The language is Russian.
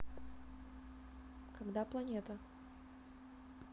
когда планета